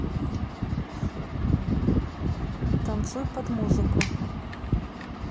танцуй под музыку